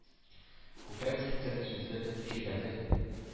Күкрәк сөтем имезеп, тирбәтеп,